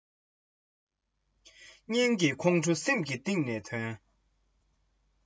ཡིན ཀྱང ཁྲམ དང གཡོ སྒྱུར དོགས ཟོན དགོས